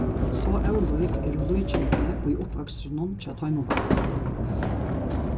so ólík eru líkindini í uppvøkstrinum hjá teimum báðum